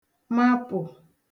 mapụ̀